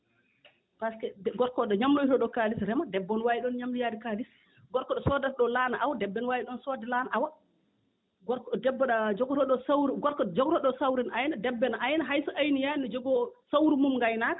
par ce que de gorko oo ɗo ñamloytoo ɗoo kaalis rema debbo oo no waawi ɗoon ñamloyaade kaalis gorko ɗo soodata ɗoo laana awa debbo no waawi ɗoon soodde laana awa gorko debbo ɗo jogotoo ɗoo sawru gorko ɗo jogotoo ɗoo sawru no ayna debbo no ayna hay so aynoyaani n njogoo sawru mum gaynaaka